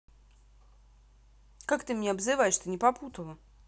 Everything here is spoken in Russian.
как ты на меня обзываешься ты не попутала